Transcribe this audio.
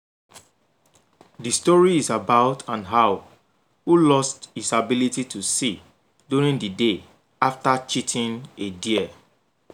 The story is about an owl who lost his ability to see during the day after cheating a deer.